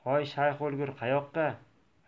hoy shayx o'lgur qayoqqa